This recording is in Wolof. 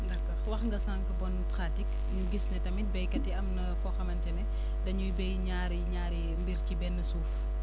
d' accord wax nga sànq bonne pratique ñu gis ne tamit béykat yi am na foo xamante ne dañuy béy ñaari ñaari mbir ci benn suuf